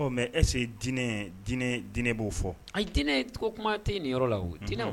Ɔ mais est ce que dinɛɛ dinɛ dinɛ b'o fɔ ayi diinɛ tɔgɔ kumaa te nin yɔrɔ la o unhun diinɛ wa